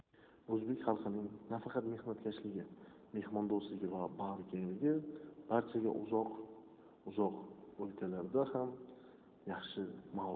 o'zbek xalqining naqadar mehnatkashligi mehmondo'stligi va bag'rikengligi barchaga uzoq uzoq o'lkalarda ham yaxshi ma'lum